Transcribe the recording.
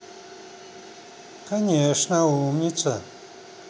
конечно умница